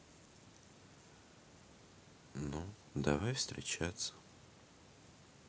ну давай встречаться